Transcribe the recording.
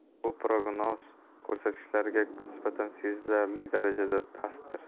bu prognoz ko'rsatkichlariga nisbatan sezilarli darajada pastdir